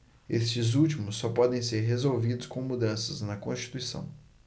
estes últimos só podem ser resolvidos com mudanças na constituição